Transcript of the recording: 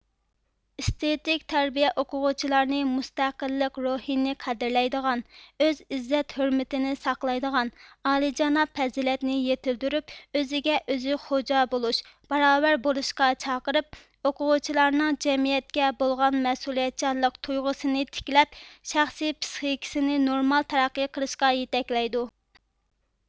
ئىستىتىك تەربىيە ئوقۇغۇچىلارنى مۇستەقىللىق روھىنى قەدىرلەيدىغان ئۆز ئىززەت ھۆرمىتىنى ساقلايدىغان ئالىجاناپ پەزىلەتنى يېتىلدۈرۈپ ئۆزىگە ئۆزى خوجا بولۇش باراۋەر بولۇشقا چاقىرىپ ئوقۇغۇچىلارنىڭ جەمئىيەتكە بولغان مەسئۇلىيەتچانلىق تۇيغىسىنى تىكلەپ شەخسىي پىسخىكىسىنى نورمال تەرەققى قىلىشقا يىتەكلەيدۇ